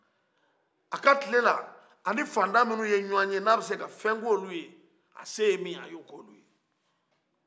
a ka tile la a ni fantan minnu ye ɲɔgɔn ye na bɛ se ka fɛn k'olu a se ye min a y'o k'olu ye